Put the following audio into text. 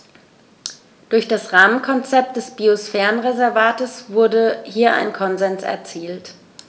Durch das Rahmenkonzept des Biosphärenreservates wurde hier ein Konsens erzielt.